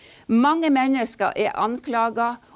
mange mennesker er anklaga.